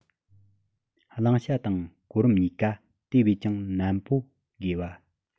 བླང བྱ དང གོ རིམ གཉིས ཀ དེ བས ཀྱང ནན པོ དགོས བ